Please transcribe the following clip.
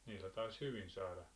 niillä taisi hyvin saada